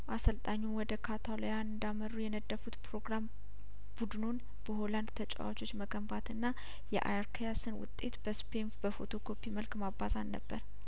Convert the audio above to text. አሰልጣኙም ወደ ካታሎዊያን እንዳ መሩ የነደፉት ፕሮግራም ቡድኑን በሆላንድ ተጫዋቾች መገንባትና የአያርክያስን ውጤት በስፔን በፎቶ ኮፒ መልክ ማባዛት ነበር